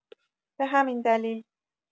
به همین دلیل